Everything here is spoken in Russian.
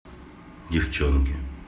девченки